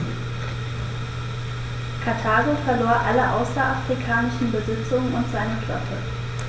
Karthago verlor alle außerafrikanischen Besitzungen und seine Flotte.